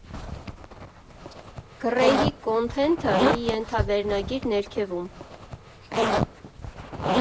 Գռեհիկ քոնթենթը՝ մի ենթավերնագիր ներքևում։